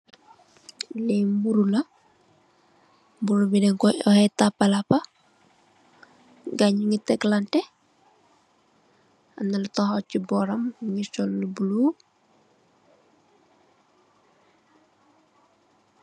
Lii mburu la, mburu bii denkoi oryeh tapalapa, gaii njungy teglanteh, amna lu takhaw cii bohram mungy sol lu blu.